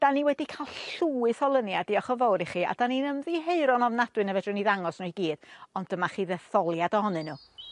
'Dan ni wedi ca'l llwyth o lynia dioch y' fowr i chi a 'dan ni'n ymddiheuron ofnadwy na fedrwn ni ddangos n'w i gy'. Ond dyma chi ddetholiad ohonyn n'w.